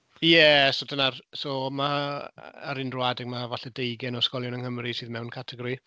Ie, so dyna'r... so ma'... ar unrhyw adeg ma' falle deugain o ysgolion yng Nghymru sydd mewn categori.